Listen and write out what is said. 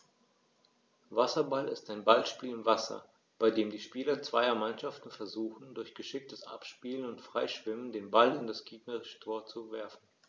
Wasserball ist ein Ballspiel im Wasser, bei dem die Spieler zweier Mannschaften versuchen, durch geschicktes Abspielen und Freischwimmen den Ball in das gegnerische Tor zu werfen.